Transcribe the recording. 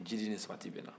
jiidi ni sabati bɛna